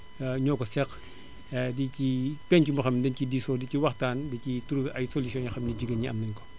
ñoo ko seq di ci penc boo xam ne dañu ciy diisoo di ci waxtaan di ci trouvé ay solutions yoo xam ne jigéen ñi am nañu ko